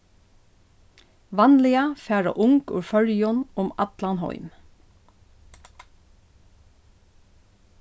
vanliga fara ung úr føroyum um allan heim